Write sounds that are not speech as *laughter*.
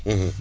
*hesitation* *hesitation*